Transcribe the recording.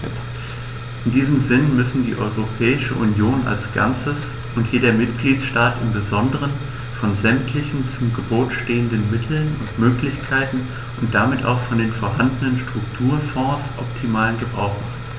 In diesem Sinne müssen die Europäische Union als Ganzes und jeder Mitgliedstaat im besonderen von sämtlichen zu Gebote stehenden Mitteln und Möglichkeiten und damit auch von den vorhandenen Strukturfonds optimalen Gebrauch machen.